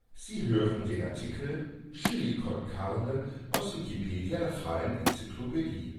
Sie hören den Artikel Chili con Carne, aus Wikipedia, der freien Enzyklopädie